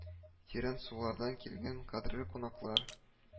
Тирән сулардан килгән кадерле кунаклар